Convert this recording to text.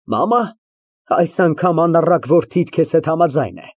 Մամա, այս անգամ անառակ որդիդ քեզ հետ համաձայն է։